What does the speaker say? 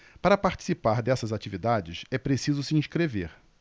para participar dessas atividades é preciso se inscrever